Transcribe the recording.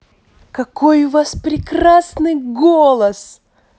какой у вас прекрасный голос